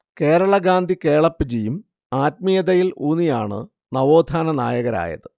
കേരള ഗാന്ധി കേളപ്പജിയും ആത്മീയതയിൽ ഊന്നിയാണ് നവോത്ഥാന നായകരായത്